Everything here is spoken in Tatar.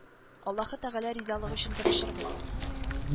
Аллаһы тәгалә ризалыгы өчен тырышабыз